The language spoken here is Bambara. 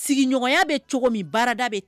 Sigiɲɔgɔnya bɛ cogo min baarada